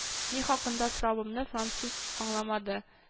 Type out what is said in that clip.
Ни хакында соравымны француз аңламады